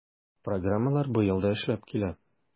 Программалар быел да эшләп килә.